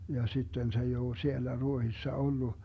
ja sitten se ei ole siellä Ruotsissa ollut